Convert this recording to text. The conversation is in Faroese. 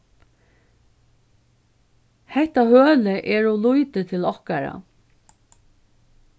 hetta hølið er ov lítið til okkara